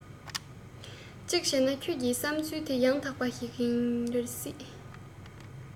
གཅིག བྱས ན ཁྱོད ཀྱི བསམས ཚུལ དེ ཡང དག པ ཞིག ཡིན སྲིད